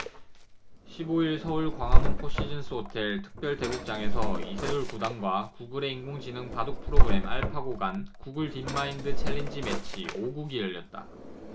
십 오 일 서울 광화문 포시즌스호텔 특별대국장서 이 아홉 단과 구글의 인공지능 바둑 프로그램 알파고 간 구글 딥마인드 챌린지 매치 오 국이 열렸다